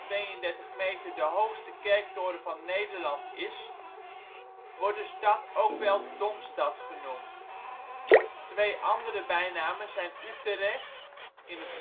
112,32 meter de hoogste kerktoren van Nederland is, wordt de stad ook wel Domstad genoemd. Twee andere bijnamen zijn Utereg (in het